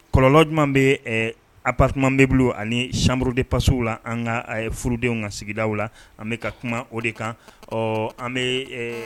Kɔlɔlɔ jumɛnuma bɛ apto bɛ bolo ani sauru de pasiw la an ka furudenw ka sigida la an bɛka ka kuma o de kan ɔ an bɛ